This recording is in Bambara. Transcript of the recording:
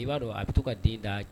I b'a dɔn a bɛ to ka den da